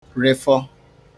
refọ